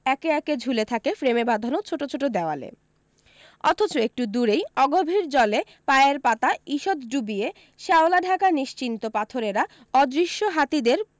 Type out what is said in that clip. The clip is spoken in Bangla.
একে একে ঝুলে থাকে ফ্রেমে বাঁধানো ছোটো ছোটো দেওয়ালে অথচ একটু দূরেই অগভীর জলে পায়ের পাতা ঈষত ডুবিয়ে শ্যাওলাঢাকা নিশ্চিন্ত পাথরেরা অদৃশ্য হাতিদের